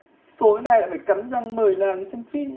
tối nay lại phải cắn răng mời nàng đi xem phim